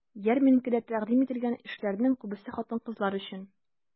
Ярминкәдә тәкъдим ителгән эшләрнең күбесе хатын-кызлар өчен.